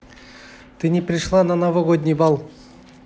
ты не пришла на новогодний бал